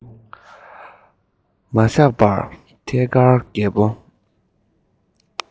མ བཞག པར ཐད ཀར རྒད པོ